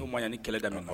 Koo ye ni kɛlɛ ka kan